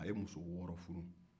a ye muso wɔɔrɔ furu